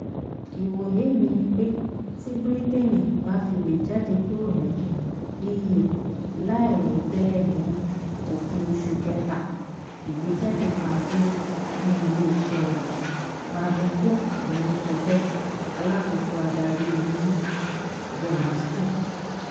"Ìwòyé mi ni pé tí Bírítéènì ba fi le jáde kúrò ní EU láìròtẹ́lẹ̀ ní òpin oṣù kẹta, ìgbéjáde máa dúró ní ilé iṣẹ́ wa,” Marvi Cooke ni ó sọ bẹ́ẹ̀, Alákòóso adarí ní Burnaston.